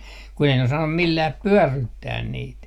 kun ei ne osannut millään pyörryttää niitä